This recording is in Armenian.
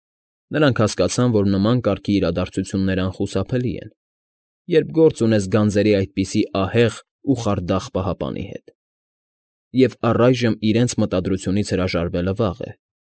Նրանք հասկացան, որ նման կարգի իրադարձություններն անխուսափելի են, երբ գործ ունես գանձերի այդպիսի ահեղ ու խարդախ պահապանի հետ, և առայժմ իրենց մտադրությունից հրաժարվելը վաղ է։